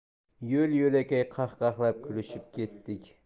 yo'l yo'lakay qahqahlab kulishib ketdik